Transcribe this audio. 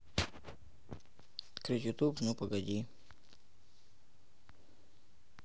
открыть ютуб ну погоди